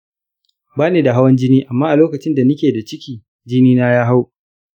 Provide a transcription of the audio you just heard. bani da hawan jini amma a lokacin da nike da ciki jini na ya hau.